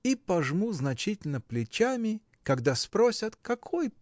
И пожму значительно плечами, когда спросят, какой